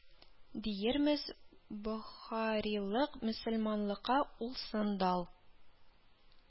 Диермез, бохарилык мөселманлыкка улсын дал